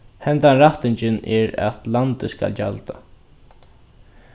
hendan rættingin er at landið skal gjalda